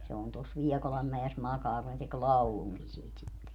se on tuossa Liekolanmäessä makaa kun ne teki laulunkin siitä sitten